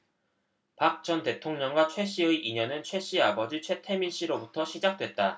박 전 대통령과 최씨의 인연은 최씨 아버지 최태민씨로부터 시작됐다